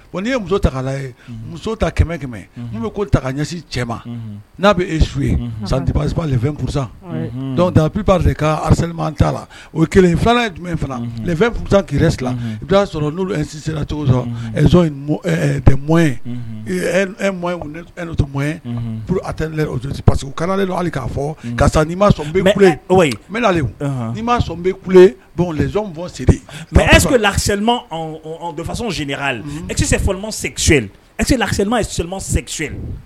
Wa n'i ye muso tala ye muso ta kɛmɛ kɛmɛ n bɛ ko ta ɲɛsi cɛ ma n'a bɛ e su ye san fɛn kurusas t ta la o kelen filanan ye jumɛn fana fɛnsa kire ia sɔrɔ n'olusi sera cogo tɛ mɔ tɛ mɔ pa que kanalen don hali k'a fɔ n ni sɔn le mɛ ɛse la zka esema sɛ ese lasmama sɛsɛri